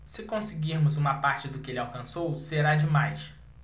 se conseguirmos uma parte do que ele alcançou será demais